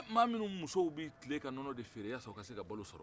mɔgɔ minnu musow bɛ tilen ka nɔnɔ de feere yaasa u ka se ka balo sɔrɔ